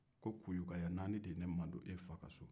a ko kuyukan ɲɛ naani de ye madon e fa ka so kɔnɔ